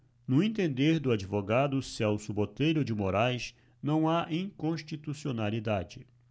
no entender do advogado celso botelho de moraes não há inconstitucionalidade